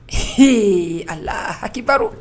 Ee a hakibaro